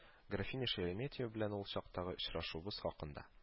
Графиня Шереметева белән ул чактагы очрашуыбыз хакында